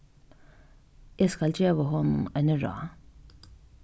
eg skal geva honum eini ráð